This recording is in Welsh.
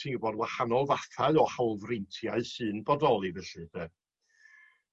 ti wbod wahanol fathau o hawlfreintiau sy'n bodoli felly 'de.